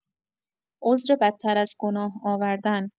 عذر بدتر از گناه آوردن